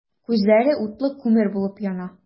Күзләре утлы күмер булып яна.